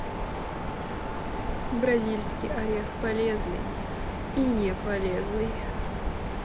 бразильский орех полезный или не полезный